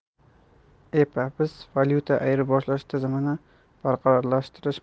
epa biz valyuta ayirboshlash tizimini barqarorlashtirish